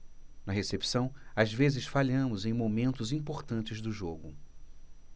na recepção às vezes falhamos em momentos importantes do jogo